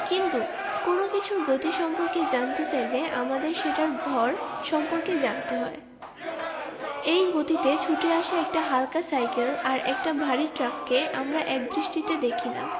কিন্তু কোনো কিছুর গতি সম্পর্কে জানতে চাইলে আমাদের সেটির ভর সম্পর্কে জানতে হয় একই গতিতে ছুটে আসা একটা হালকা সাইকেল আর একটা ভারী ট্রাককে আমরা একদৃষ্টিতে দেখি না